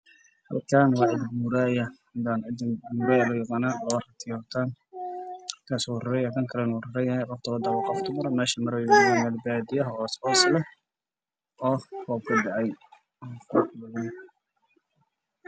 Meeshaan waxaa socda laba geel le waxaana wado naak beesha waa baadiyo ha ku yaalo geedo iyo caws